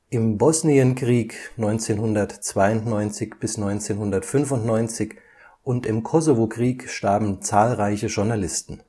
Im Bosnienkrieg (1992 – 1995) und im Kosovokrieg starben zahlreiche Journalisten